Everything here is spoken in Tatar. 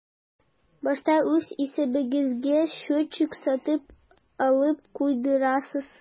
Башта үз исәбегезгә счетчик сатып алып куйдырасыз.